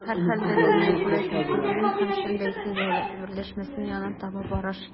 Һәрхәлдә, дөнья, күрәсең, суверен һәм чын бәйсез дәүләтләр берләшмәсенә янына таба бара шикелле.